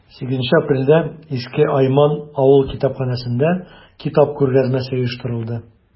8 апрельдә иске айман авыл китапханәсендә китап күргәзмәсе оештырылды.